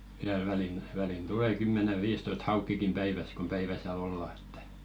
vielä väliin väliin tulee kymmenen viisitoista haukeakin päivässä kun päivä siellä ollaan että